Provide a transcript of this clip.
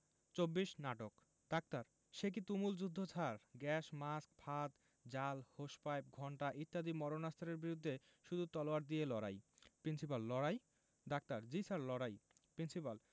২৪ নাটক ডাক্তার সেকি তুমুল যুদ্ধ স্যার গ্যাস মাস্ক ফাঁদ জাল হোস পাইপ ঘণ্টা ইত্যাদি মারণাস্ত্রের বিরুদ্ধে শুধু তলোয়ার দিয়ে লড়াই প্রিন্সিপাল লড়াই ডাক্তার জ্বী স্যার লড়াই প্রিন্সিপাল